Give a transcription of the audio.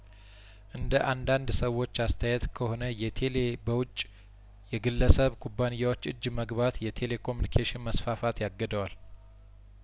እንደ አንዳንድ ሰዎች አስተያየት ከሆነ የቴሌ በውጪ የግለሰብ ኩባንያዎች እጅ መግባት የቴሌኮሚኒኬሽን መስፋፋት ያግ ደዋል